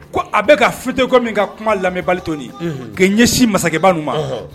Ko a bɛ ka fi ko min ka kuma lamɛnmi balit ka ɲɛsin masakɛbaw ma